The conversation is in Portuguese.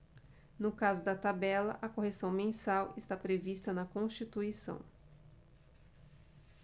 no caso da tabela a correção mensal está prevista na constituição